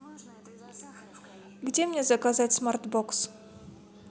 где мне заказать смарт бокс